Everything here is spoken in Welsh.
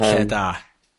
lle da